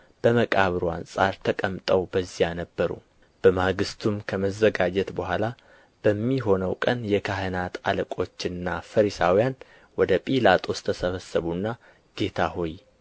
በመቃብሩ አንጻር ተቀምጠው በዚያ ነበሩ በማግሥቱም ከመዘጋጀት በኋላ በሚሆነው ቀን የካህናት አለቆችና ፈሪሳውያን ወደ ጲላጦስ ተሰበሰቡና ጌታ ሆይ